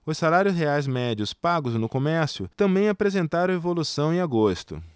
os salários reais médios pagos no comércio também apresentaram evolução em agosto